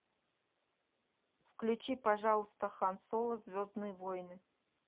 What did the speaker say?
включи пожалуйста хан соло звездные войны